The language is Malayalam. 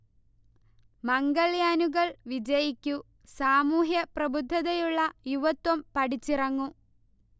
മംഗൾയാനുകൾ വിജയിക്കൂ, സാമൂഹ്യ പ്രതിബദ്ധത ഉള്ള യുവത്വം പഠിച്ചിറങ്ങൂ